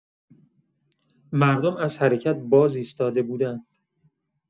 مردم از حرکت بازایستاده بودند.